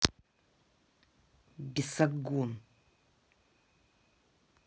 бесогон